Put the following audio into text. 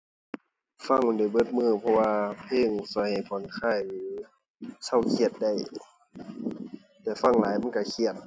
ฟังได้เบิดมื้อ เพราะว่าเพลงช่วยให้ผ่อนคลายหรือเซาเครียดได้ แต่ฟังหลายมันช่วยเครียด